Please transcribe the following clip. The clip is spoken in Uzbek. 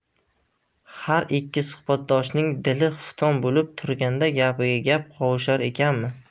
har ikki suhbatdoshning dili xufton bo'lib turganda gapiga gap qovushar ekanmi